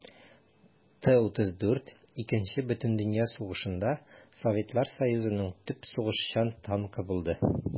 Т-34 Икенче бөтендөнья сугышында Советлар Союзының төп сугышчан танкы булды.